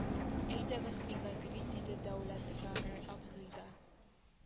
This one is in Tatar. Әйдәгез өйгә керик диде дәүләтгәрәй абзый да